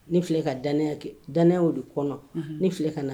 Ni filɛ kaya kɛ dan o de kɔnɔ ni filɛ ka na